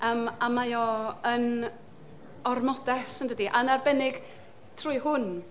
Yym a mae o yn ormodedd, yn dydi yn arbennig trwy hwn.